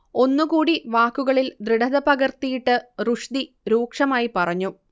ഒന്നുകൂടി വാക്കുകളിൽ ദൃഢത പകർത്തിയിട്ട് റുഷ്ദി രൂക്ഷമായി പറഞ്ഞു